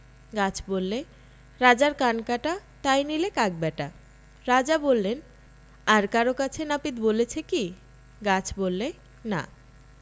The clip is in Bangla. গাছ বললে রাজার কান কাটা তাই নিলে কাক ব্যাটা রাজা বললেন আর কারো কাছে নাপিত বলেছে কি গাছ বললে না